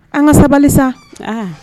An ka sabali sa aa